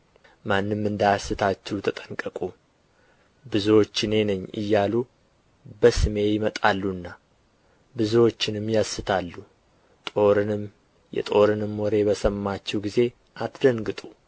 ማንም እንዳያስታችሁ ተጠንቀቁ ብዙዎች እኔ ነኝ እያሉ በስሜ ይመጣሉና ብዙዎችንም ያስታሉ ጦርንም የጦርንም ወሬ በሰማችሁ ጊዜ አትደንግጡ